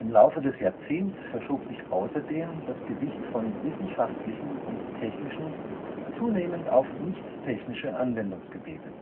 Laufe des Jahrzehnts verschob sich außerdem das Gewicht von wissenschaftlichen und technischen zunehmend auf nichttechnische Anwendungsgebiete